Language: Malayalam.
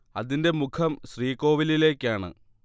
അതിന്റെ മുഖം ശ്രീകോവിലിലേക്കാണ്